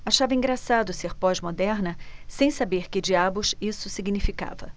achava engraçado ser pós-moderna sem saber que diabos isso significava